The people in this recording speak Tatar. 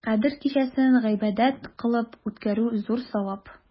Кадер кичәсен гыйбадәт кылып үткәрү зур савап.